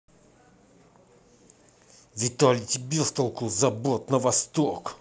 vitality бестолку забот на восток